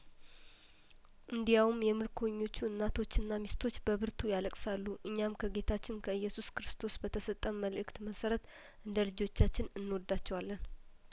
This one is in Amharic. እንዲያውም የምርኮኞቹ እናቶችና ሚሰቶች በብርቱ ያለቅ ሳሉ እኛም ከጌታችን ከኢየሱስ ክርስቶስ በተሰጠን መልእክት መሰረት እንደልጆቻችን እንወዳቸዋለን